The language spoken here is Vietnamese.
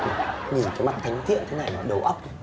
nhìn cái mặt thánh thiện thế này mà đầu óc